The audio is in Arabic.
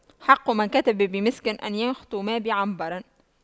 حق من كتب بمسك أن يختم بعنبر